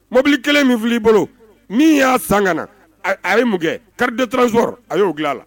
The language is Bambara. Mobili kelen min fili i bolo min y'a san ka na a ye mun kariditraso a y'o dilan a la